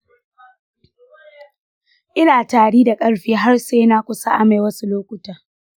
ina tari da ƙarfi har sai na kusa amai wasu lokuta.